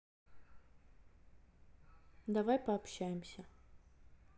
давай пообщаемся